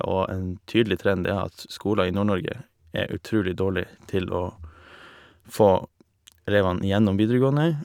Og en tydelig trend er at s skoler i Nord-Norge er utrulig dårlig til å få elevene igjennom videregående.